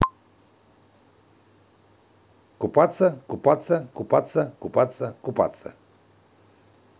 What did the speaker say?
купаться купаться купаться купаться купаться